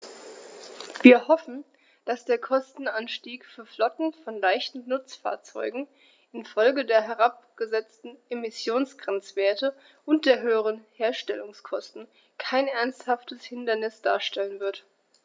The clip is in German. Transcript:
Wir hoffen, dass der Kostenanstieg für Flotten von leichten Nutzfahrzeugen in Folge der herabgesetzten Emissionsgrenzwerte und der höheren Herstellungskosten kein ernsthaftes Hindernis darstellen wird.